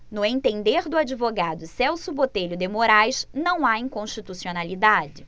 no entender do advogado celso botelho de moraes não há inconstitucionalidade